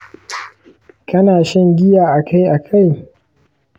kana shan giya akai akai?